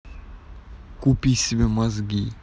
купи себе мозги